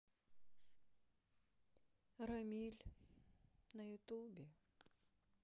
рамиль на ютубе